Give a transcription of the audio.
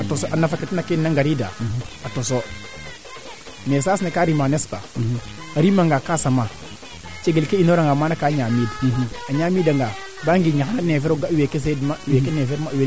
parce que kaa i ndeeta ngoor ke peut etre o jang hectar leŋ bigo yip teen kaa ando naye xatil kiran bo xayna awaa mbisiid jafe jafe te ref nduupna ando naye kaa matirkaa wala te yaaj